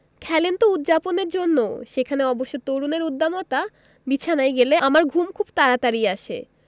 খেলেন তো উদ্ যাপনের জন্যও সেখানে অবশ্য তরুণের উদ্দামতা বিছানায় গেলে আমার ঘুম খুব তাড়াতাড়িই আসে